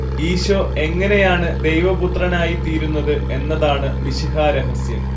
ഈശോ എങ്ങനെയാണ് ദൈവപുത്രനായി തീരുന്നത് എന്നതാണ് മിശിഹാരഹസ്യം